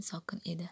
sokin edi